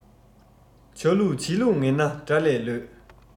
བྱ ལུགས བྱེད ལུགས ངན ན དགྲ ལས ལོད